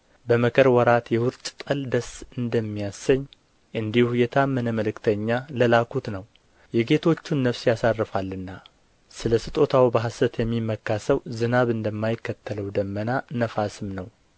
በመከር ወራት የውርጭ ጠል ደስ እንደሚያሰኝ እንዲሁ የታመነ መልእክተኛ ለላኩት ነው የጌቶቹን ነፍስ ያሳርፋልና ስለ ስጦታው በሐሰት የሚመካ ሰው ዝናብ እንደማይከተለው ደመና ነፋስም ነው